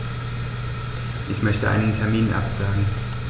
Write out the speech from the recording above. Ich möchte einen Termin absagen.